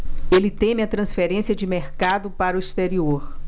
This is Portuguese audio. ele teme a transferência de mercado para o exterior